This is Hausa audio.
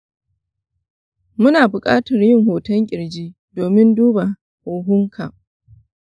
muna bukatar yin hoton ƙirji domin duba huhunka.